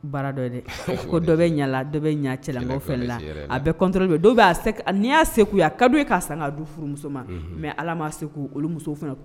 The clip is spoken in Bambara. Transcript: Bɛ cɛla la a bɛ n'i y'a segu ka k'a san du furumuso ma mɛ ala ma olu muso